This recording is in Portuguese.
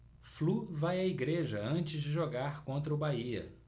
flu vai à igreja antes de jogar contra o bahia